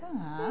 Da.